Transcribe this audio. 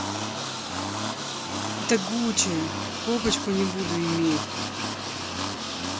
это gucci копочку не буду иметь